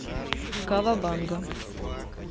kavabanga